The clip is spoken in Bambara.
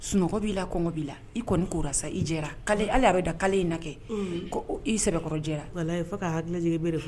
Sunɔgɔ b'i la kɔngɔ b'i la i kɔni'ora sa ile ala a bɛ da kalile in na kɛ ko ibɛkɔrɔ jɛra wala ka hakili lajɛlen de fɔ